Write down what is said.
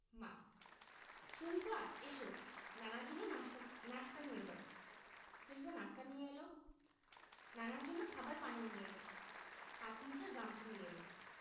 মা শরিফা এসো নানার জন্য নাশতা নাশতা নিয়ে যাও শরিফা নাশতা নিয়ে এলো নানার জন্য খাবার পানি নিয়ে এলো হাত মোছার গামছা নিয়ে এলো